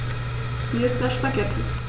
Mir ist nach Spaghetti.